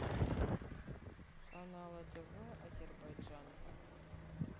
канал атв азербайджан